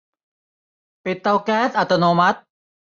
ปิดเตาแก๊สอัตโนมัติ